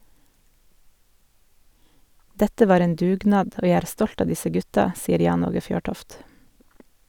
Dette var en dugnad, og jeg er stolt av disse gutta, sier Jan Åge Fjørtoft.